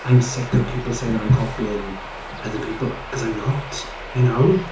I'm sick of people saying that I'm copying other people because I'm not. You know?